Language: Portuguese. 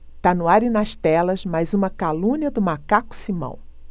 tá no ar e nas telas mais uma calúnia do macaco simão